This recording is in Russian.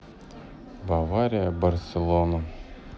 бавария барселона